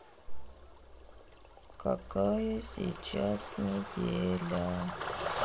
какая сейчас неделя